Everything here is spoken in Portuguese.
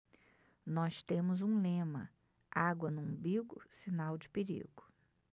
nós temos um lema água no umbigo sinal de perigo